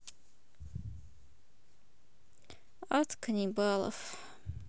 ад каннибалов